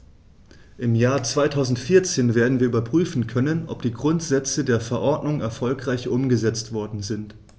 Im Jahr 2014 werden wir überprüfen können, ob die Grundsätze der Verordnung erfolgreich umgesetzt worden sind.